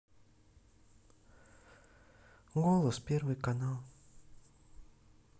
голос первый канал